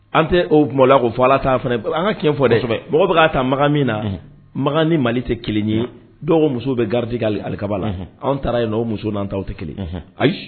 An tɛ maloya k'o fɔ allah ta an ka tiɲɛn fɔ dɛ ,, mɔgɔ bɛ k'a ta Makan min na, Makan ni Mali tɛ kelen ye, dɔw ko muso bɛ garde kɛ hali alkaaba la anw taara yen , o muso a n'an ta tɛ kelen ye, ayi!